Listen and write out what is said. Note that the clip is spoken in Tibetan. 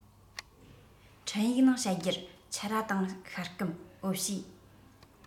འཕྲིན ཡིག ནང བཤད རྒྱུར ཕྱུར ར དང ཤ སྐམ འོ ཕྱེ